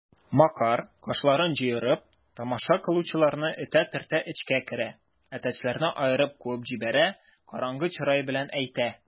Макар, кашларын җыерып, тамаша кылучыларны этә-төртә эчкә керә, әтәчләрне аерып куып җибәрә, караңгы чырай белән әйтә: